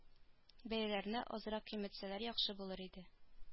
Бәяләрне азрак киметсәләр яхшы булыр иде